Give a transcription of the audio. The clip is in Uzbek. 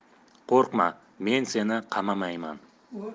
qo'rqma men seni qamamayman